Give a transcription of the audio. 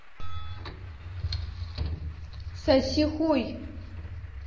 соси хуй